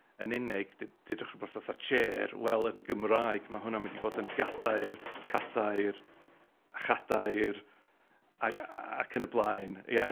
yn unig, de- dudwch rwbath fatha chair, wel, yn Gymraeg, ma' hwnna'n mynd i fod yn gadair, cadair, chadair, a- a- ac yn y blaen, ie?